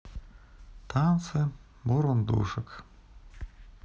танцы бурундушек